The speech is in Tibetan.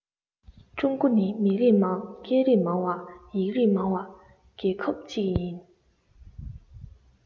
ཀྲུང གོ ནི མི རིགས མང སྐད རིགས མང བ ཡིག རིགས མང བ རྒྱལ ཁབ ཅིག ཡིན